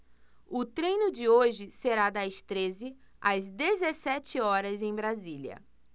o treino de hoje será das treze às dezessete horas em brasília